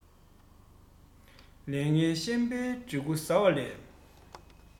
ལས ངན ཤན པའི དྲེག ཁུ བཟའ བ ལས